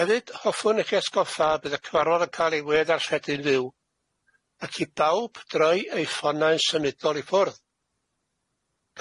Hefyd hoffwn i chi atgoffa bydd y cyfarfod yn cael ei we ddarlledy'n fyw, ac i bawb droi eu ffonau'n symudol i ffwrdd.